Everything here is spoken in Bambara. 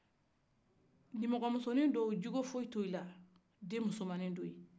nimɔgɔmusoni dɔw cogo fɔsitɛ olu la denw musomani dɔw